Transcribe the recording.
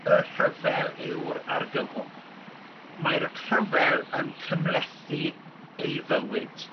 y rhyfel yw'r argyfwng mae'r rhyfel yn cymhethi ei fywyd